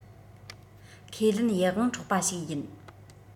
ཁས ལེན ཡིད དབང འཕྲོག པ ཞིག ཡིན